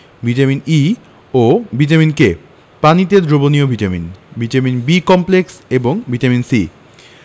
vitamin E ও vitamin K পানিতে দ্রবণীয় ভিটামিন ভিটামিন B কমপ্লেক্স এবং ভিটামিন C